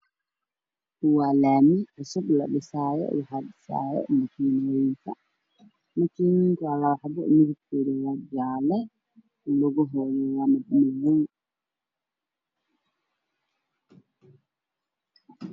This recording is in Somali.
Waa laami cusub oo la dhisaayo waxaa dhisaayo makiinadooyinka daamiga kalarkiisu waa madow iyo caddaan